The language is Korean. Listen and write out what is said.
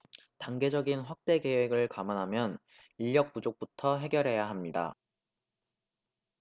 단계적인 확대 계획을 감안하면 인력 부족부터 해결해야 합니다